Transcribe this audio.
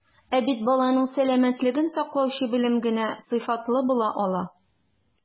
Ә бит баланың сәламәтлеген саклаучы белем генә сыйфатлы була ала.